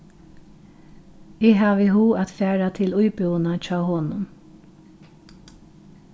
eg havi hug at fara til íbúðina hjá honum